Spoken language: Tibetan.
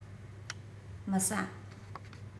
མི ཟ